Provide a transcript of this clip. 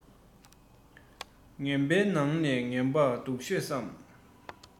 ངན པའི ནང ནས ངན པ སྡུག ཤོས སམ